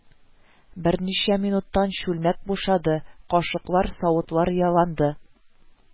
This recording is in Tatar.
Берничә минуттан чүлмәк бушады, кашыклар, савытлар яланды